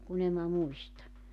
kun en minä muista